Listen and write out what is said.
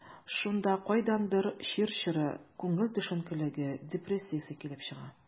Шунда кайдандыр чир чоры, күңел төшенкелеге, депрессиясе килеп чыга.